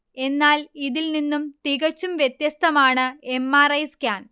എന്നാൽ ഇതിൽനിന്നും തികച്ചും വ്യത്യസ്തമാണ് എം. ആർ. ഐ. സ്കാൻ